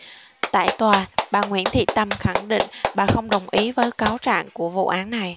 tại tòa bà nguyễn thị tâm khẳng định bà không đồng ý với cáo trạng của vụ án này